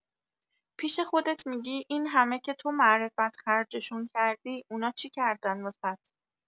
پیش خودت می‌گی اینهمه که تو معرفت خرجشون کردی اونا چی کردن واست؟